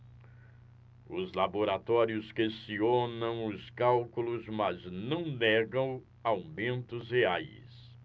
os laboratórios questionam os cálculos mas não negam aumentos reais